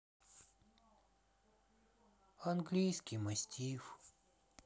английский мастиф